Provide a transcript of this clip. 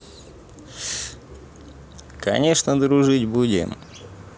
конечно дружить будем